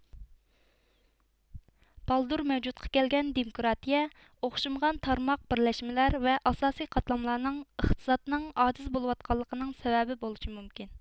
بالدۇر مەۋجۇدقا كەلگەن دېمۇكىراتىيە ئوخشىمىغان تارماق بىرلەشمىلەر ۋە ئاساسىي قاتلاملارنىڭ ئېقتىسادنىڭ ئاجىز بولىۋاتقانلىقىنىڭ سەۋەبى بولىشى مۇمكىن